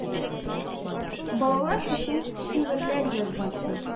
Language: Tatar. Балалар өчен шигырьләр язган ул.